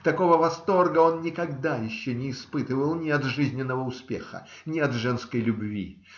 Такого восторга он никогда еще не испытывал ни от жизненного успеха, ни от женской любви.